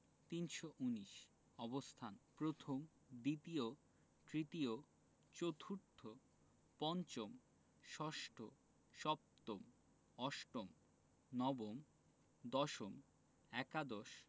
তিনশো উনিশ অবস্থান প্রথম দ্বিতীয় তৃতীয় চতুর্থ পঞ্চম ষষ্ঠ সপ্তম অষ্টম নবম দশম একাদশ